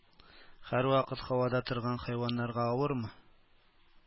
Һәрвакыт һавада торган хайваннарга авырмы?